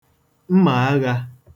mmàaghā